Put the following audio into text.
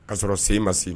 K ka sɔrɔ sen ma se